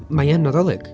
Mae hi yn Nadolig.